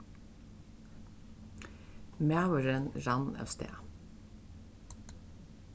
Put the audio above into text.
maðurin rann avstað